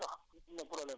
maanaam pour mu sax